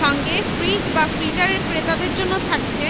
সঙ্গে fridge freezer ক্রেতাদের জন্য থাকছে